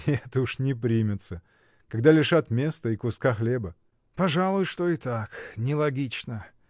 — Нет, уж не примется, когда лишат места и куска хлеба. — Пожалуй, что и так. не логично!